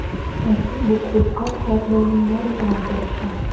Әти бу клубка һәрдаим барырга тырыша.